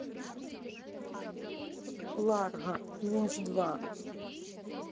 ларго винч два